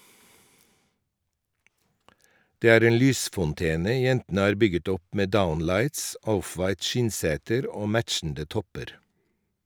Det er en lysfontene jentene har bygget opp med downlights, offwhite skinnseter og matchende topper.